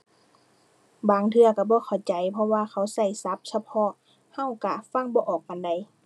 บางเทื่อก็บ่เข้าใจเพราะว่าเขาก็ศัพท์เฉพาะ ก็ก็ฟังบ่ออกปานใด